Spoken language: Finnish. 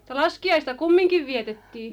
mutta laskiaista kumminkin vietettiin